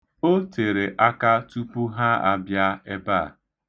O tere aka tupu ha abịa ebe a.